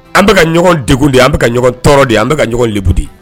An bɛka ka ɲɔgɔn deg de ye an bɛka ka ɲɔgɔn tɔɔrɔ de an bɛka ka ɲɔgɔn liugudi